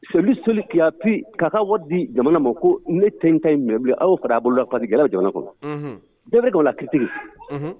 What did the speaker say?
C'est lui seul qui a pu k'a ka wa di jamana ma ko ne tɛ n ta in minɛn bilen, aw y'o fara a bolo la gɛlɛya bɛ jamana kɔnɔ, ɔnhɔn,